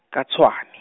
ka Tshwane.